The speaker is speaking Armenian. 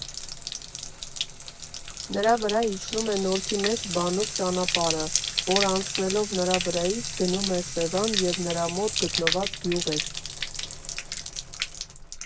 Նրա վրա իջնում է Նորքի մեծ բանուկ ճանապարհը, որ անցնելով նրա վրայից՝ գնում է Սևան և նրա մոտ գտնված գյուղեր։